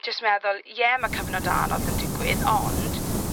jyst meddwl ie ma' cyfnod anodd yn digwydd ond